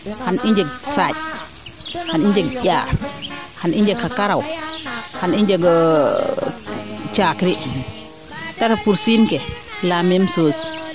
xan i njeg saaƴ xan i njeg njaar xaan i njeg xa karaw xan i njeg cakri te ref pursiin ke la ,meme chose